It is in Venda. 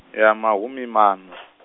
ya mahumimaṋa.